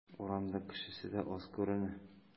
Урамда кешесе дә аз күренә.